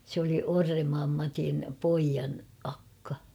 se oli Orrenmaan Matin pojan akka